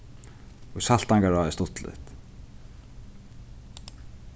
í saltangará er stuttligt